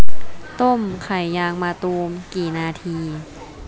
ต้มไข่ยางมะตูมกี่นาที